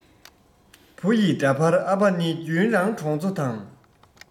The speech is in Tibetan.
བུ ཡི འདྲ པར ཨ ཕ ནི རྒྱུན རང གྲོང ཚོ དང